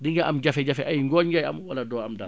di nga am jafe-jafe ay ngooñ ngay am wala doo am dara